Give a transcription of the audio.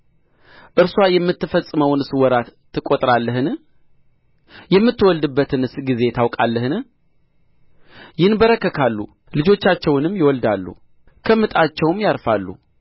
እርስዋ የምትፈጽመውንስ ወራት ትቈጥራለህን የምትወልድበትንስ ጊዜ ታውቃለህን ይንበረከካሉ ልጆቻቸውንም ይወልዳሉ ከምጣቸውም ያርፋሉ